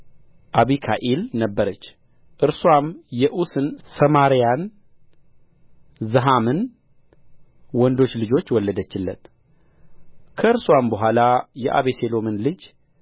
አቢካኢል ነበረች እርስዋም የዑስን ሰማራያን ዘሃምን ወንዶች ልጆች ወለደችለት ከእርስዋም በኋላ የአቤሴሎምን ልጅ